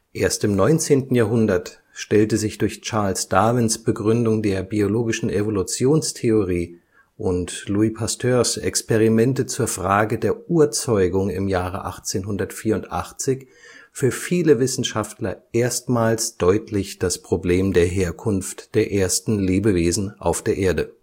Erst im 19. Jahrhundert stellte sich durch Charles Darwins Begründung der biologischen Evolutionstheorie (1859) und Louis Pasteurs Experimente zur Frage der Urzeugung (generatio aequivoca) im Jahre 1884 für viele Wissenschaftler erstmals deutlich das Problem der Herkunft der ersten Lebewesen auf der Erde